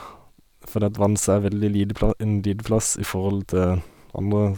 Fordi at Vanse er veldig lite pla en liten plass i forhold til andre.